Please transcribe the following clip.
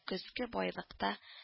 Көзге байлыкта